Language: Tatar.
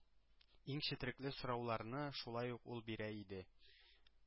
Иң четерекле сорауларны шулай ук ул бирә иде.